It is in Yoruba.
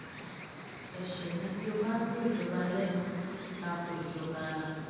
Ẹ̀ṣẹ̀ ni bí o bá gbó ìjọba lẹ́nu (tako ìjọba)